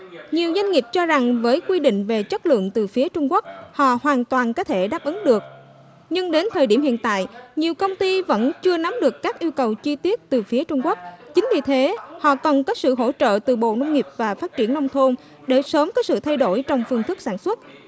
nhiều doanh nghiệp cho rằng với quy định về chất lượng từ phía trung quốc họ hoàn toàn có thể đáp ứng được nhưng đến thời điểm hiện tại nhiều công ty vẫn chưa nắm được các yêu cầu chi tiết từ phía trung quốc chính vì thế họ cần có sự hỗ trợ từ bộ nông nghiệp và phát triển nông thôn để sớm có sự thay đổi trong phương thức sản xuất